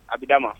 A bi da ma.